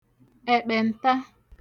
ẹ̀kpẹ̀nta